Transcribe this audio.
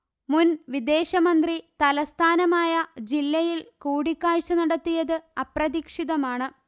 മുൻവിദേശ മന്ത്രി തലസ്ഥാനമായ ജില്ലയിൽ കൂടിക്കാഴ്ച നടത്തിയത് അപ്രതീക്ഷിതമാണ്